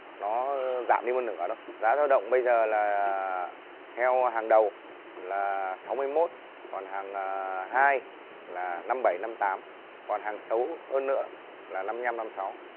nó giảm đi một nửa rồi giá dao động bây giờ là heo hàng đầu là sáu mươi mốt còn hàng là hai là năm bảy năm tám còn hàng xấu hơn nữa là năm năm năm sáu